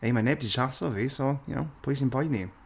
Ei, mae neb di tsaso fi so you know pwy sy'n poeni?